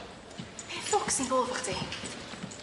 Be' ffwc sy'n bo' 'fo chdi?